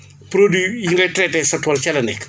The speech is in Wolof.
produits yi yi ngay traité sa tool ca la nekk